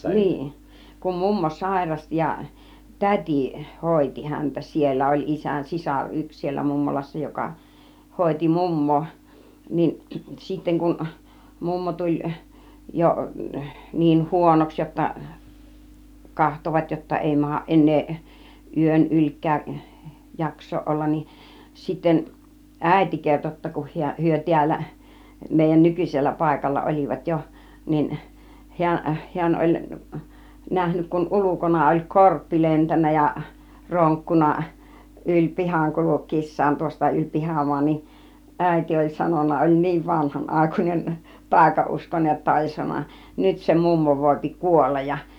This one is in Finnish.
niin kun mummo sairasti ja täti hoiti häntä siellä oli isän sisar yksi siellä mummolassa joka hoiti mummoa niin sitten kun mummo tuli jo niin huonoksi jotta katsoivat jotta ei mahda enää yön ylikään jaksaa olla niin sitten äiti kertoi jotta kun hän he täällä meidän nykyisellä paikalla olivat jo niin hän hän oli nähnyt kun ulkona oli korppi lentänyt ja ronkkunut yli pihan kulkiessaan tuosta yli pihamaan niin äiti oli sanonut oli niin vanhanaikainen taikauskoinen jotta oli sanonut nyt se mummo voi kuolla ja